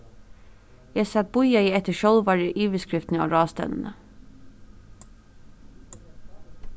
eg sat bíðaði eftir sjálvari yvirskriftini á ráðstevnuni